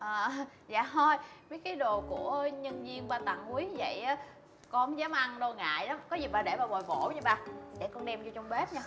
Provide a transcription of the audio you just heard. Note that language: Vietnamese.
ờ dạ thôi những cái đồ của nhân viên ba tặng quý như vậy con không dám ăn đâu ngại lắm có gì ba để ba bồi bổ nha để con đem vô trong bếp nha